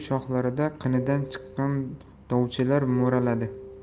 shoxlarida qinidan chiqqan dovuchchalar mo'raladi